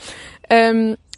Yym.